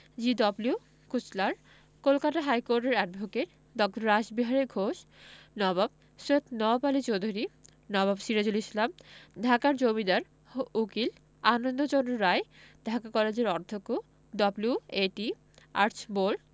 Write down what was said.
G W Kuchler Kolkata হাইকোর্টের advocate ড. রাসবিহারী ঘোষ নবাব সৈয়দ নওয়াব আলী চৌধুরী নবাব সিরাজুল ইসলাম ঢাকার জমিদার ও উকিল আনন্দচন্দ্র রায় ঢাকা কলেজের অধ্যক্ষ ডব্লিউ.এ.টি আর্চবোল্ড